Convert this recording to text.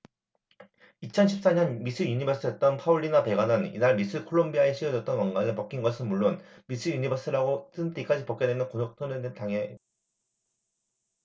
이천 십 사 년 미스 유니버스였던 파울리나 베가는 이날 미스 콜롬비아에게 씌워줬던 왕관을 벗긴 것은 물론 미스 유니버스라고 쓴 띠까지 벗겨내는 곤혹스런 일을 해야 했다